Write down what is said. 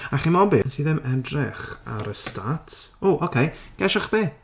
A chimod be wnes i ddim edrych ar y stats. Ww oce gesiwch be?